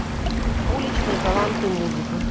уличные таланты музыка